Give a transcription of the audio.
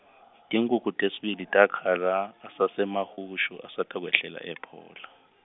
tinkhukhu tesibili takhala, asaseMahushu, asatakwehlela ePhola.